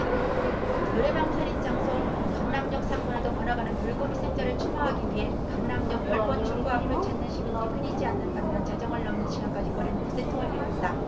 노래방 살인 장소 강남역 사건에도 번화가는 불금 희생자를 추모하기 위해 강남역 열 번 출구 앞을 찾는 시민들이 끊이지 않는 반면 자정을 넘은 시간까지 거리는 북새통을 이뤘다